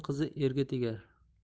xo'janing qizi erga tegar